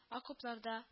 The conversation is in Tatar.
Окопларда